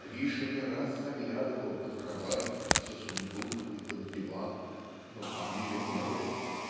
Гриша не раз заглядывал под кровать за сундук и под диван но там ее не было".